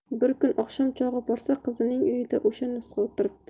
bir kun oqshom chog'i borsa qizning uyida o'sha nusxa o'tiribdi